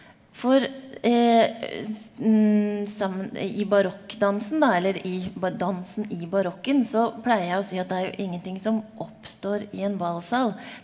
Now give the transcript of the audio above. for i barokkdansen da eller i dansen i barokken så pleier jeg å si at det er jo ingenting som oppstår i en ballsal.